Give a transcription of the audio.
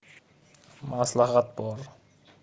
maslahat bor